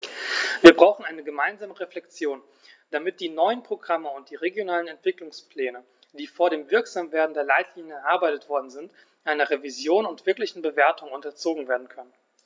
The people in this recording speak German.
Wir brauchen eine gemeinsame Reflexion, damit die neuen Programme und die regionalen Entwicklungspläne, die vor dem Wirksamwerden der Leitlinien erarbeitet worden sind, einer Revision und wirklichen Bewertung unterzogen werden können.